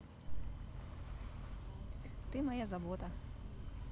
ты моя забота